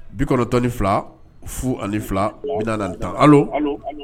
92 02 40 ani 10 allo